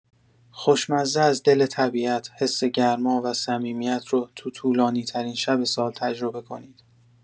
خوشمزه از دل طبیعت، حس گرما و صمیمیت رو تو طولانی‌ترین شب سال تجربه کنید.